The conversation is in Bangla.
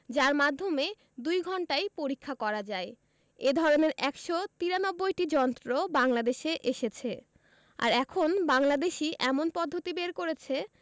যার মাধ্যমে দুই ঘণ্টায় পরীক্ষা করা যায় এ ধরনের ১৯৩টি যন্ত্র বাংলাদেশে এসেছে আর এখন বাংলাদেশই এমন পদ্ধতি বের করেছে